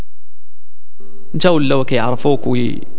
جون لوك يعرفوك